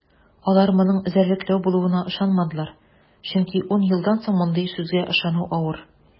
Алар моның эзәрлекләү булуына ышанмадылар, чөнки ун елдан соң мондый сүзгә ышану авыр.